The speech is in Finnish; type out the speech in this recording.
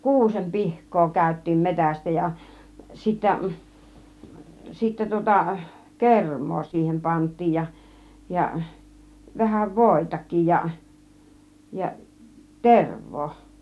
kuusen pihkaa käytiin metsästä ja sitten sitten tuota kermaa siihen pantiin ja ja vähän voitakin ja ja tervaa